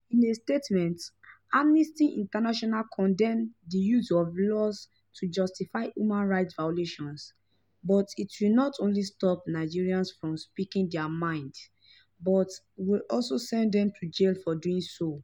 In a statement, Amnesty International condemned the use of "laws to justify human rights violations" because it will not only stop Nigerians "from speaking their minds" but will also "send them to jail for doing so".